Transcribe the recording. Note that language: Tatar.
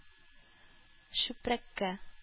Чүпрәккә